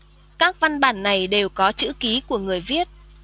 các văn bản này đều có chữ ký của người viết